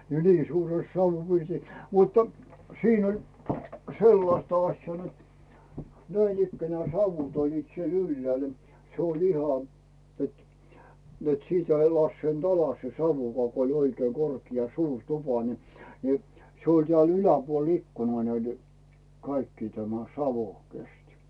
ja niin suuressa savupirtissä mutta siinä oli sellaista asiaa että näinikään savut olivat siellä ylhäällä se oli ihan että että sitä ei laskeutunut alas se savukaan kun oli oikein korkea suuri tupa niin niin se oli täällä yläpuolella ikkunaa näitä kaikkia tämä savu kesti